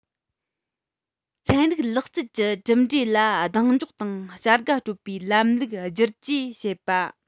ཚན རིག ལག རྩལ གྱི གྲུབ འབྲས ལ གདེང འཇོག དང བྱ དགའ སྤྲོད པའི ལམ ལུགས བསྒྱུར བཅོས བྱེད པ